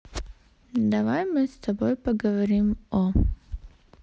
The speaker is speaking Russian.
давай мы с тобой поговорим о